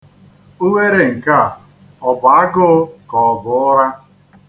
Ughere nke a ọ bụ agụụ kaọbụ ụra?